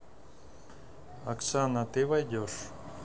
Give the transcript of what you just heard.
оксана ты войдешь